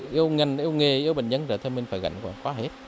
yêu ngành yêu nghề yêu bệnh nhân thì mình phải gánh vượt qua hết